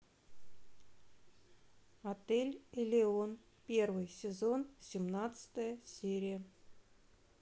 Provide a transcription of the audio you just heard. отель элеон первый сезон семнадцатая серия